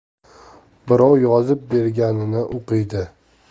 birov yozib berganini o'qiydi